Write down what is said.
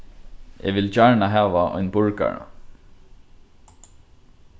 eg vil gjarna hava ein burgara